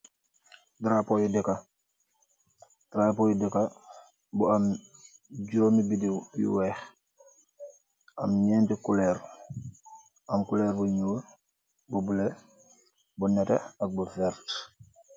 Drapeau yii dekah, drapeau yii dekah bu am juromi bidiw yu wekh, am njenti couleur, am couleur bu njull, bu bleu, bu nehteh ak bu vert.